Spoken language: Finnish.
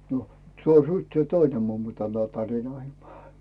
nᴏ suostuiko toinen mummo tällä lailla tarinoimaan